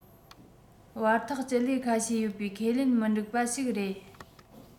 བར ཐག སྤྱི ལེ ཁ ཤས ཡོད པའི ཁས ལེན མི འགྲིག པ ཞིག རེད